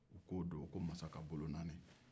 o don u ko masa ka bolonaani